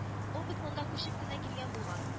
— ул бит монда күчеп кенә килгән булган